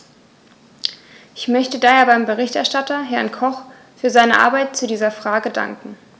Ich möchte daher dem Berichterstatter, Herrn Koch, für seine Arbeit zu dieser Frage danken.